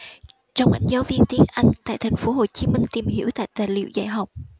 trong ảnh giáo viên tiếng anh tại thành phố hồ chí minh tìm hiểu tại tài liệu dạy học